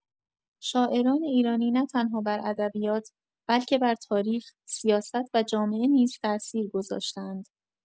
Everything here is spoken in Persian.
شاعران ایرانی نه‌تنها بر ادبیات بلکه بر تاریخ، سیاست و جامعه نیز تاثیر گذاشته‌اند.